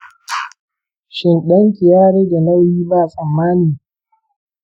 shin ɗanki ya rage nauyi ba tsammani?